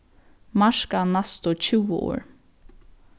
marka næstu tjúgu orð